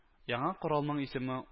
Яңа коралның исеме